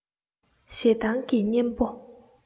ཞེ སྡང གི གཉེན པོ